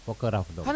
foka raf dong